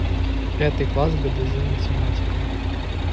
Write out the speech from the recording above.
пятый класс гдз математика